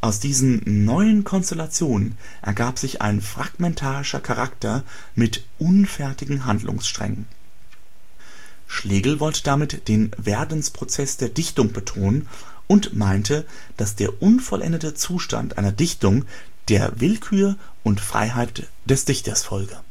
Aus diesen neuen Konstellationen ergab sich ein fragmentarischer Charakter mit unfertigen Handlungssträngen. Schlegel wollte damit den Werdensprozess der Dichtung betonen und meinte, dass der unvollendete Zustand einer Dichtung der Willkür und Freiheit des Dichters folge